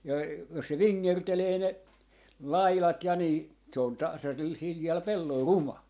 ja jos se vingertelee ne laidat ja niin se on tasaisella sileällä pellolla ruma